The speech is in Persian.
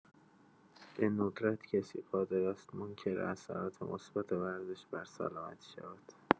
به‌ندرت کسی قادر است منکر اثرات مثبت ورزش بر سلامتی شود.